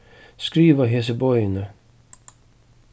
skriva hesi boðini